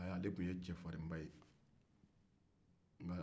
ale tun ye cɛfarinba ye